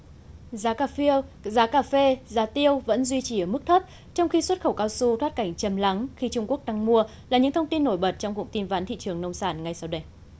giá cà phê giá cà phê giá tiêu vẫn duy trì ở mức thấp trong khi xuất khẩu cao su thoát cảnh trầm lắng khi trung quốc đang mua là những thông tin nổi bật trong cuộc tin vắn thị trường nông sản ngay sau đây